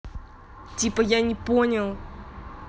типа я не понял